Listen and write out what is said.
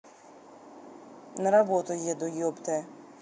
на работу еду еб ты